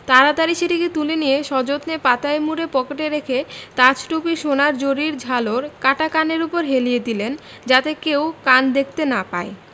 তাড়াতাড়ি সেটিকে তুলে নিয়ে সযত্নে পাতায় মুড়ে পকেটে রেখে তাজ টুপির সোনার জরির ঝালর কাটা কানের উপর হেলিয়ে দিলেন যাতে কেউ কান দেখতে না পায়